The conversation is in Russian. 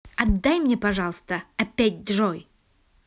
отдай мне пожалуйста опять джой